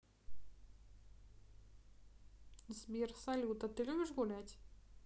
сбер салют а ты любишь гулять